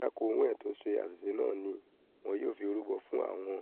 Bóyá Cromwell tó ṣe àṣìṣe náà ni wọn yóò fi rúbọ fún àwọn